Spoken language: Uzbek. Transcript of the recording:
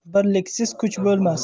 birliksiz kuch bo'lmas